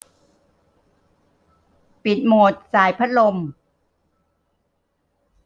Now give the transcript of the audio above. ปิดโหมดส่ายพัดลม